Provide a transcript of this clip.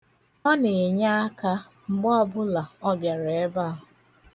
Ọ na-enye aka mgbe ọbụla ọ bịara ebe a.